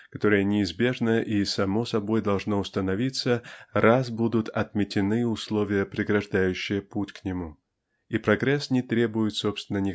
которое неизбежно и само собой должно установиться раз будут отметены условия преграждающие путь к нему и прогресс не требует собственно